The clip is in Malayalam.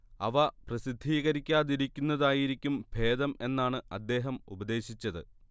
അവ പ്രസിദ്ധീകരിക്കാതിരിക്കുന്നതായിരിക്കും ഭേദം എന്നാണ് അദ്ദേഹം ഉപദേശിച്ചത്